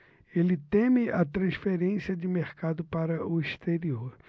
ele teme a transferência de mercado para o exterior